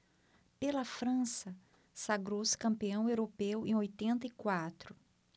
pela frança sagrou-se campeão europeu em oitenta e quatro